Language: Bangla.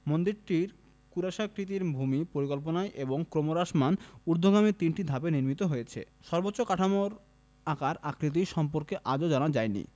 মন্দিরটি ক্রুশাকৃতির ভূমি পরিকল্পনায় এবং ক্রমহ্রাসমান ঊর্ধ্বগামী তিনটি ধাপে নির্মিত হয়েছে সর্বোচ্চ কাঠামোর আকার আকৃতি সম্পর্কে আজও জানা যায় নি